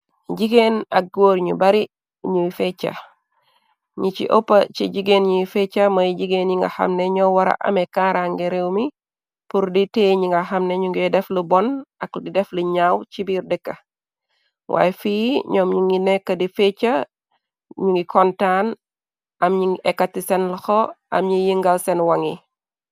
Jigeen ak góor ñu bari ñuy fecca, ñi ci ëppa ci jigeen ñuy feeca, moy jigeen yi nga xamne ñoo wara ame kaarange réew mi, pur di teye ñi nga xamne ñu ngoy def lu bon ak di def lu ñaaw ci biir dëkka, waay fii ñoom ñu ngi nekk di feeca, ñu ngi kontaan, am ñi ngi ekati seen loxo, am ñi yingal seen waŋ yi.